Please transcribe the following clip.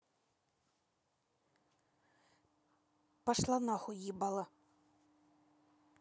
пошла нахуй ебало